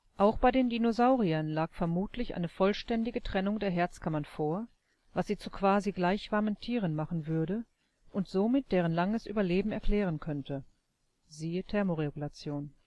Auch bei den Dinosauriern lag vermutlich eine vollständige Trennung der Herzkammern vor, was sie zu quasi-gleichwarmen Tieren machen würde und somit deren langes Überleben erklären könnte (siehe Thermoregulation